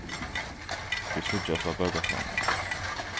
vit síggjast á bókasavninum